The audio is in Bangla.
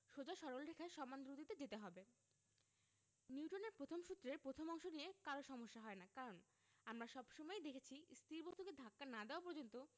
সোজা সরল রেখায় সমান দ্রুতিতে যেতে হবে নিউটনের প্রথম সূত্রের প্রথম অংশ নিয়ে কারো সমস্যা হয় না কারণ আমরা সব সময়ই দেখেছি স্থির বস্তুকে ধাক্কা না দেওয়া পর্যন্ত